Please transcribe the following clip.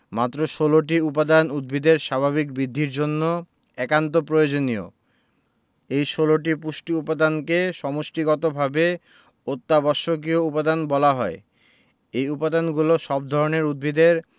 মাত্র ১৬টি উপাদান উদ্ভিদের স্বাভাবিক বৃদ্ধির জন্য একান্ত প্রয়োজনীয় এ ১৬টি পুষ্টি উপাদানকে সমষ্টিগতভাবে অত্যাবশ্যকীয় উপাদান বলা হয় এই উপাদানগুলো সব ধরনের উদ্ভিদের